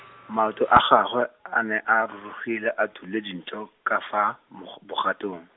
maoto a gagwe, a ne a rurugile a dule dintho, ka fa, mog- bogatong.